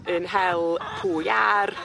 yn hel pŵ iâr.